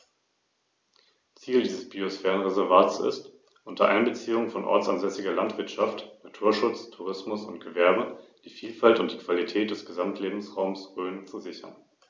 Durch das Rahmenkonzept des Biosphärenreservates wurde hier ein Konsens erzielt.